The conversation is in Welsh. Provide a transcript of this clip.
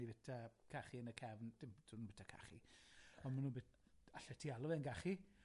i fyta cachu yn y cefn, dim, dwi'm yn byta cachu on' ma' nw'n by- alle ti alw fe'n gachu,